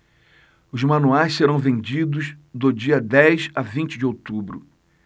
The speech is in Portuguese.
os manuais serão vendidos do dia dez a vinte de outubro